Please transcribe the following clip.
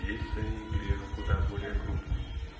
Есть за ней грех куда более крупный.